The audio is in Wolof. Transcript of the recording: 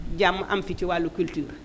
jàmm am fi ci wàllu culture